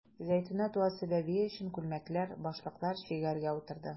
Зәйтүнә туасы бәбие өчен күлмәкләр, башлыклар чигәргә утырды.